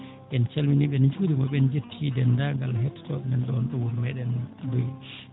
en calminii ɓe en njuriima ɓe en njettii denndaangal hettoo ɓe men ɗoon ɗo wuro meeɗen Mboyi